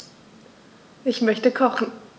Ich möchte kochen.